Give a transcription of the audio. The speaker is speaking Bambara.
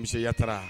Monsieur Yatara